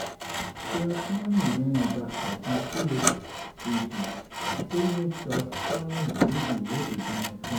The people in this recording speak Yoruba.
Sarah Palin mẹ́nu ba àìsàn PTSD tó mú Track Palin níbi ìwọ́de Donald Trump